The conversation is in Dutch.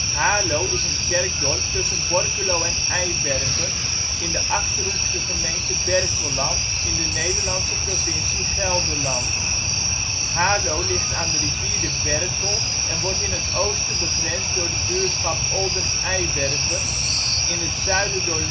Haarlo is een kerkdorp tussen Borculo en Eibergen in de Achterhoekse gemeente Berkelland in de Nederlandse provincie Gelderland. Haarlo ligt aan de rivier de Berkel en wordt in het oosten begrensd door de buurschap Olden Eibergen, in het zuiden door